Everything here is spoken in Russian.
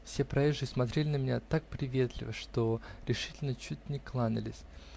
Все проезжие смотрели на меня так приветливо, что решительно чуть не кланялись